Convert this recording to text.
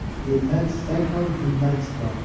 eldan chiqsang ham dindan chiqma